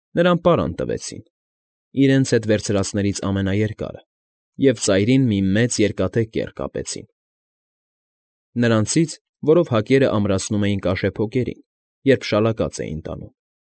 Նրան պարան տվեցին, իրենց հետ վերցրածներից ամենաերկարը, և ծայրին մի մեծ երկաթե կեռ կապեցին, նրանցից, որով հակերը ամրացնում էին կաշեփոկերին, երբ շալակած էին տանում։